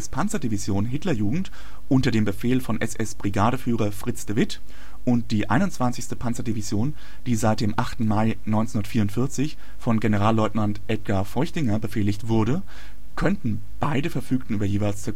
SS-Panzerdivision " Hitlerjugend ", unter dem Befehl von SS-Brigadeführer Fritz de Witt, und die 21. Panzerdivision, die seit dem 8. Mai 1944 von Generalleutnant Edgar Feuchtinger befehligt wurde, könnten - beide verfügten über jeweils